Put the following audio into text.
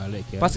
wale ki rang